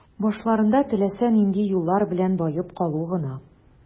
Башларында теләсә нинди юллар белән баеп калу гына.